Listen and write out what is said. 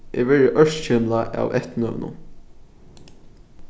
eg verði ørkymlað av eftirnøvnum